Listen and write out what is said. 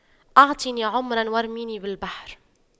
اعطني عمرا وارميني بالبحر